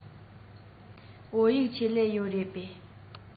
བོད ཡིག ཆེད ལས ཡོད རེད པས